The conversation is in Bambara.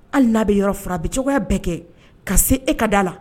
Ali na bi yɔrɔ furan a bi cogoya bɛɛ kɛ ka se e ka da la